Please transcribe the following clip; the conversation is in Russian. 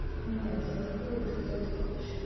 нет я такую ты кто ты круче